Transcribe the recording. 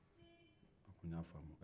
a ko n y' a faamu